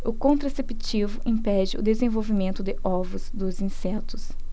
o contraceptivo impede o desenvolvimento de ovos dos insetos